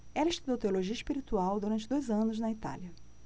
ela estudou teologia espiritual durante dois anos na itália